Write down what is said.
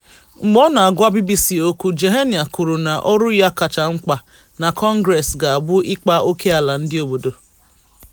Mgbe ọ na-agwa BBC okwu, Joenia kwuru na ọrụ ya kacha mkpa na Congress ga-abụ ịkpa ókè ala ndị obodo.